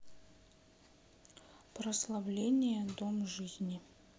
прославление дом жизни